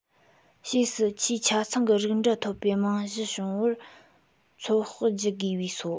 ཕྱིས སུ ཆེས ཆ ཚང གི རིགས འདྲ ཐོབ པའི རྨང གཞི བྱུང བར ཚོད དཔག བགྱི དགོས པས སོ